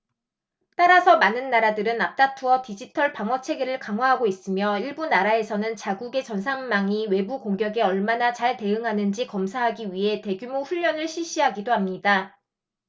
따라서 많은 나라들은 앞다투어 디지털 방어 체계를 강화하고 있으며 일부 나라에서는 자국의 전산망이 외부 공격에 얼마나 잘 대응하는지 검사하기 위해 대규모 훈련을 실시하기도 합니다